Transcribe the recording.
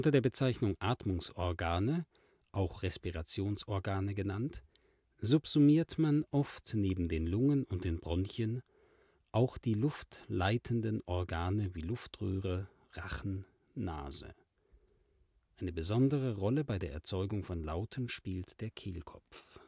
der Bezeichnung Atmungsorgane, auch Respirationsorgane genannt, subsumiert man oft neben den Lungen und den Bronchien auch die luftleitenden Organe, wie Luftröhre, Rachen, Nase. Eine besondere Rolle bei der Erzeugung von Lauten spielt der Kehlkopf